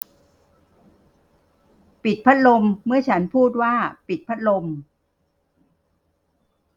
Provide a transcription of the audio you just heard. ปิดพัดลมเมื่อฉันพูดว่าปิดพัดลม